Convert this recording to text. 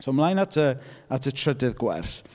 So, mlaen at y at y trydydd gwers.